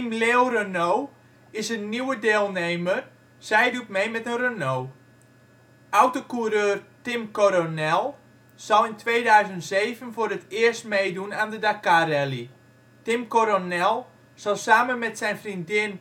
Leeuw Renault is een nieuwe deelnemer, zij doet mee met een Renault. Autocoureur Tim Coronel zal in 2007 voor het eerst meedoen aan de Dakar rally, Tim Coronel zal samen met zijn vriendin